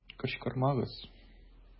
Кычкырмагыз!